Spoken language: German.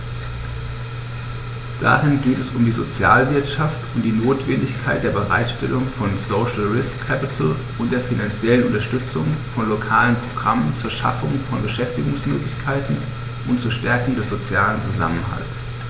Darin geht es um die Sozialwirtschaft und die Notwendigkeit der Bereitstellung von "social risk capital" und der finanziellen Unterstützung von lokalen Programmen zur Schaffung von Beschäftigungsmöglichkeiten und zur Stärkung des sozialen Zusammenhalts.